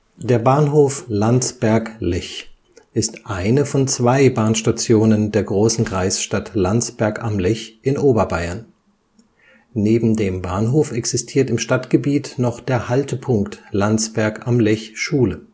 Der Bahnhof Landsberg (Lech) ist eine von zwei Bahnstationen der Großen Kreisstadt Landsberg am Lech in Oberbayern. Neben dem Bahnhof existiert im Stadtgebiet noch der Haltepunkt Landsberg am Lech Schule